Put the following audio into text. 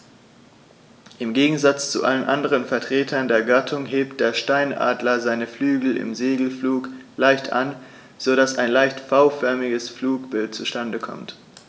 Im Gegensatz zu allen anderen Vertretern der Gattung hebt der Steinadler seine Flügel im Segelflug leicht an, so dass ein leicht V-förmiges Flugbild zustande kommt.